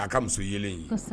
A'a ka muso yelen ye